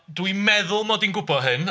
Dwi'n meddwl mod i'n gwybod hyn.